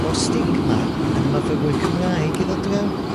o stigma yn y myfyrwyr Cymraeg i ddod draw.